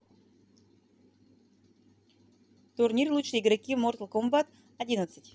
турнир лучшие игроки mortal kombat одиннадцать